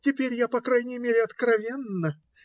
"Теперь я по крайней мере откровенна.